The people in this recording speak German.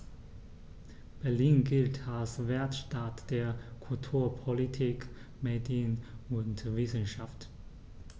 Berlin gilt als Weltstadt der Kultur, Politik, Medien und Wissenschaften.